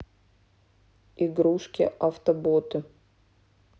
игрушки автоботы